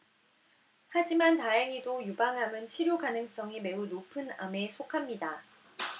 하지만 다행히도 유방암은 치료 가능성이 매우 높은 암에 속합니다